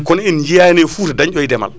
kono en jiyani e Fouta dañɗo e deemal